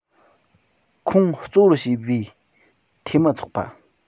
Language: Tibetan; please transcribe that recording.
ཁོང གཙོ བོར བྱས པའི འཐུས མི ཚོགས པ